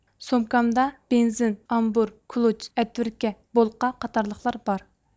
سومكامدا بېنزىن ئامبۇر كۇلۇچ ئەتۋىركە بولقا قاتارلىقلار بار